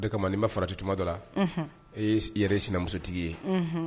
O n faratituma yɛrɛ sinamusotigi ye